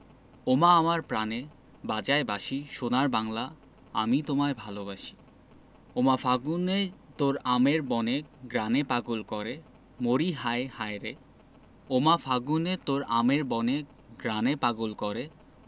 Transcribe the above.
ওমা আমার প্রানে বাজায় বাঁশি সোনার বাংলা আমি তোমায় ভালোবাসি ওমা ফাগুনে তোর আমের বনে ঘ্রাণে পাগল করে মরিহায় হায়রে ওমা ফাগুনে তোর আমের বনে ঘ্রাণে পাগল করে